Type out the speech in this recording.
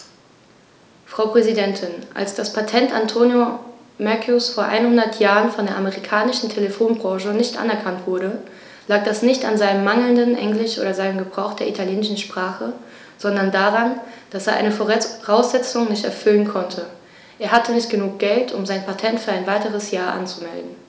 Frau Präsidentin, als das Patent Antonio Meuccis vor einhundert Jahren von der amerikanischen Telefonbranche nicht anerkannt wurde, lag das nicht an seinem mangelnden Englisch oder seinem Gebrauch der italienischen Sprache, sondern daran, dass er eine Voraussetzung nicht erfüllen konnte: Er hatte nicht genug Geld, um sein Patent für ein weiteres Jahr anzumelden.